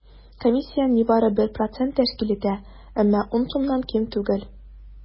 Комиссия нибары 1 процент тәшкил итә, әмма 10 сумнан ким түгел.